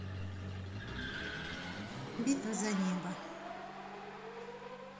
битва за небо